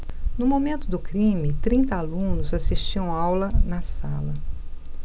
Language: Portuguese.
no momento do crime trinta alunos assistiam aula na sala